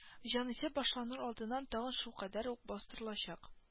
Җанисәп башланыр алдыннан тагын шулкадәр үк бастырылачак